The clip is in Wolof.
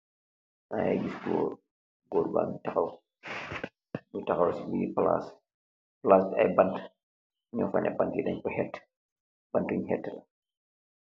Ma ngi giss goor, goor ba ngi tahaw si biir palace, palace bi am ay bantue, bantue yi deng ko heti, bantue yunge heti la